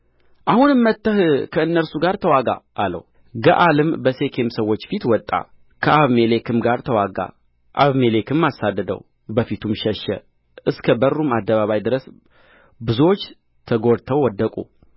አሁንም ወጥተህ ከእነርሱ ጋር ተዋጋ አለው ገዓልም በሴኬም ሰዎች ፊት ወጣ ከአቤሜሌክም ጋር ተዋጋ አቤሜሌክም አሳደደው በፊቱም ሸሸ እስከ በሩም አደባባይ ድረስ ብዙዎች ተጐድተው ወደቁ